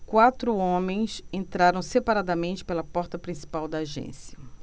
quatro homens entraram separadamente pela porta principal da agência